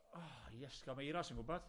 O, iesgob, mae Euros yn gwbod.